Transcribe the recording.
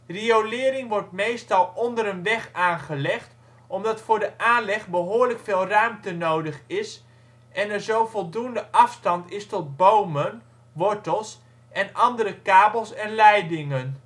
Riolering wordt meestal onder een weg aangelegd omdat voor de aanleg behoorlijk veel ruimte nodig is en er zo voldoende afstand is tot bomen (wortels) en andere kabels en leidingen